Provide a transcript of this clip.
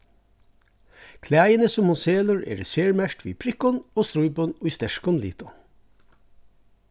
klæðini sum hon selur eru sermerkt við prikkum og strípum í sterkum litum